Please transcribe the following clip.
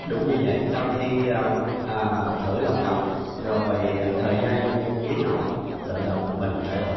đúng như vậy sau khi a thử lòng ngọc rồi thời gian biết ngọc tự động mình thay đổi